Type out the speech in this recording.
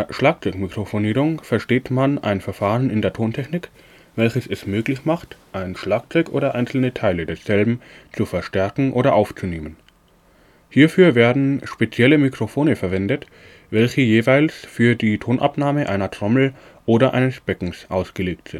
Schlagzeugmikrofonierung versteht man ein Verfahren in der Tontechnik, welches es möglich macht, ein Schlagzeug oder einzelne Teile desselben zu verstärken oder aufzunehmen. Hierfür werden spezielle Mikrofone verwendet, welche jeweils für die Tonabnahme einer Trommel oder eines Beckens ausgelegt